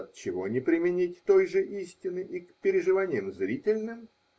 Отчего не применить той же истины и к переживаниям зрительным?